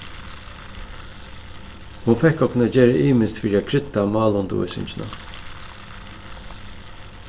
hon fekk okkum at gera ymiskt fyri at krydda málundirvísingina